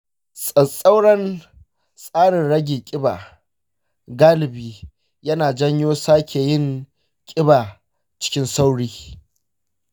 tsatstsauran tsarin rage kiba galibi yana janyo sake yin kiba cikin sauri.